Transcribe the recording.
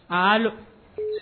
Aa